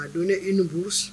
A don ne e niuru